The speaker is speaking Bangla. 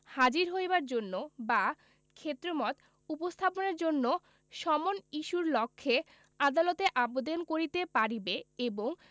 হাজির হইবার জন্য বা ক্ষেত্রমত উপস্থাপনের জন্য সমন ইস্যুর লক্ষ্যে আদালতে আবেদন করিতে পারিবে এবং